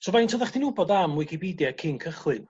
So faint odda chdi'n wbod am Wicipedia cyn cychwyn